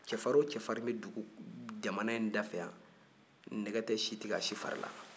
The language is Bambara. cɛfarin o cɛfarin bɛ jamana in dafɛ yan nɛge tɛ si tigɛ a si fari la